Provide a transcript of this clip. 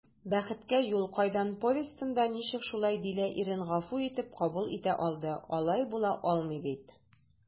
«бәхеткә юл кайдан» повестенда ничек шулай дилә ирен гафу итеп кабул итә алды, алай була алмый бит?»